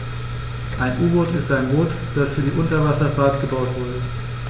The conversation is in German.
Ein U-Boot ist ein Boot, das für die Unterwasserfahrt gebaut wurde.